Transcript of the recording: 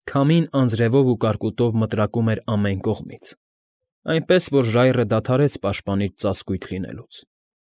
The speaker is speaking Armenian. Քամին անձևով ու կարկուտով մտրակում էր ամեն կողմից, այնպես որ ժայռը դադարեց պաշտպանիչ ծածկույթ լինելուց։